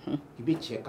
I bɛ cɛ ka